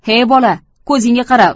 hoy bola ko'zingga qara